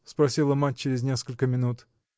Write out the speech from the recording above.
– спросила мать через несколько минут.